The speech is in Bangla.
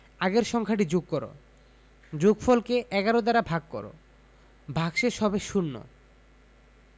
আগের সংখ্যাটি যোগ কর যোগফল কে ১১ দ্বারা ভাগ কর ভাগশেষ হবে শূন্য